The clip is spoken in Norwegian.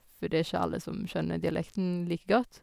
For det er ikke alle som skjønner dialekten like godt.